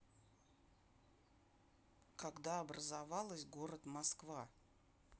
когда образовалась город москва